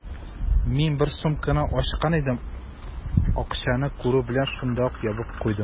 Мин бер сумканы ачкан идем, акчаны күрү белән, шунда ук ябып куйдым.